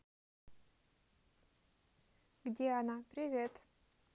где она привет